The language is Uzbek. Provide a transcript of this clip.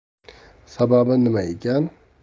sababi nima ekan